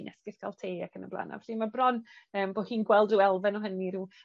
te ac yn bla'n a felly ma' bron yym bo' hi'n gweld ryw elfen o hynni ryw